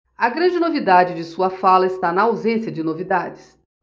a grande novidade de sua fala está na ausência de novidades